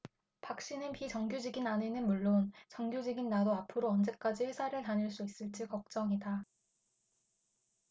박씨는 비정규직인 아내는 물론 정규직인 나도 앞으로 언제까지 회사를 다닐 수 있을지 걱정이다